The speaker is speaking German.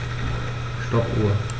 Stoppuhr.